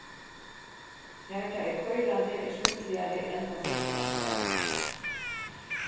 har tað er koyrandi er smidligari enn tá siglast skal